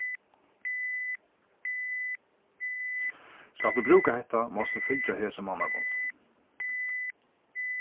skalt tú brúka hetta mást tú fylgja hesum mannagongdum